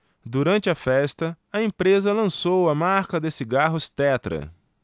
durante a festa a empresa lançou a marca de cigarros tetra